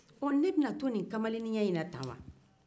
ne bɛna to nin kamalenniya in na tan wa